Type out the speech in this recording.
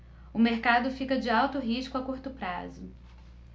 o mercado fica de alto risco a curto prazo